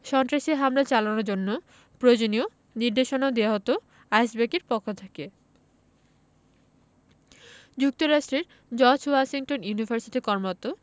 সন্ত্রাসী হামলা চালানোর জন্য প্রয়োজনীয় নির্দেশনাও দেওয়া হতো আইব্যাকসের পক্ষ থেকে যুক্তরাষ্ট্রের জর্জ ওয়াশিংটন ইউনিভার্সিটিতে কর্মরত